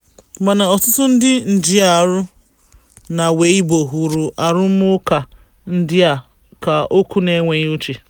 Mana ọtụtụ ndị njiarụ na Weibo hụrụ arụmụka ndị a ka okwu n'enweghị uche.